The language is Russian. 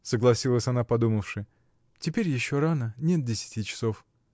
— согласилась она, подумавши, — теперь еще рано, нет десяти часов.